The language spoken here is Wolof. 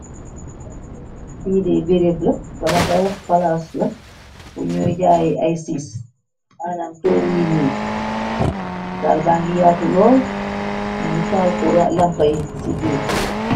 Fiide beréb la wala nga wax palaas la ku ñuy jaayi ay sis anam towiy niik saalba ngi yaatu lool muy talku lampay ci biir.